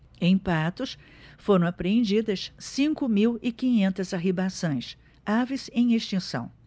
em patos foram apreendidas cinco mil e quinhentas arribaçãs aves em extinção